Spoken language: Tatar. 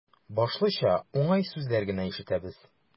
Башлыча, уңай сүзләр генә ишетәбез.